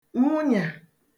nwụnyà